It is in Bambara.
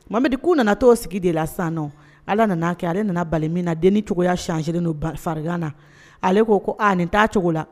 Mam u nanatɔ sigi de la sanɔn ala nana aa kɛ ale nana balima min na den cogoyaya sise donfarin na ale ko ko aaa ni taa cogo la